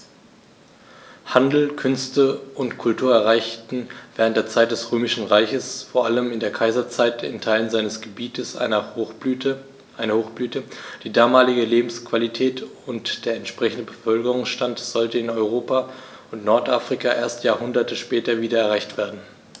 Handel, Künste und Kultur erreichten während der Zeit des Römischen Reiches, vor allem in der Kaiserzeit, in Teilen seines Gebietes eine Hochblüte, die damalige Lebensqualität und der entsprechende Bevölkerungsstand sollten in Europa und Nordafrika erst Jahrhunderte später wieder erreicht werden.